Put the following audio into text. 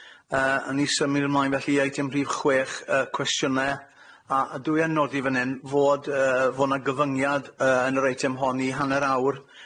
Yy, 'awn i symud ymlaen felly i eitem rhif chwech, yy cwestiyne, a a dwi yn nodi fan 'yn fod yy fo' 'na gyfyngiad yy yn yr eitem hon i hanner awr